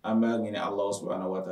An b'a ɲini Ala subahana watala